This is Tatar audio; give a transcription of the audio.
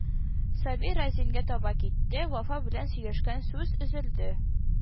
Сабир Разингә таба китте, Вафа белән сөйләшкән сүз өзелде